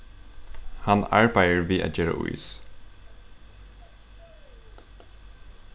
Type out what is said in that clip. hann arbeiðir við at gera ís